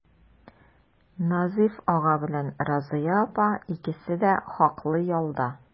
Назыйф ага белән Разыя апа икесе дә хаклы ялда.